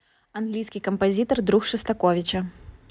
английский композитор друг шостаковича